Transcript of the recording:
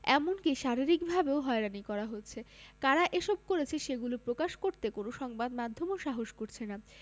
এমনকি শারীরিকভাবেও হয়রানি করা হচ্ছে কারা এসব করছে সেগুলো প্রকাশ করতে কোনো সংবাদ মাধ্যমও সাহস করছে না